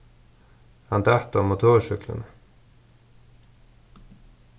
hann datt á motorsúkkluni